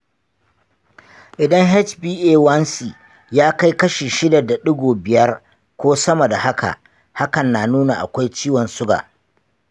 idan hba1c ya kai kashi shida da digo biyar ko sama da haka, hakan na nuna akwai ciwon suga.